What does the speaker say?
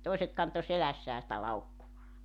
toiset kantoi selässään sitä laukkuaan